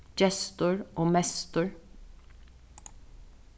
gestur og mestur